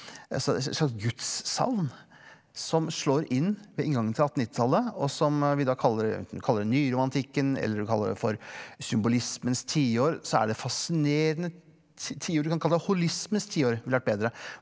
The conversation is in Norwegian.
e et slags gudssavn som slår inn ved inngangen til attennittitallet og som vi da kaller kaller det nyromantikken eller du kaller det for symbolismens tiår så er det fasinerende tiår du kan kalle det holismens tiår ville vært bedre.